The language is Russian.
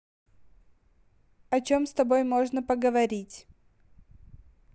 о чем с тобой можно поговорить